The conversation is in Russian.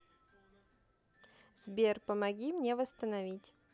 сбер помоги мне восстановить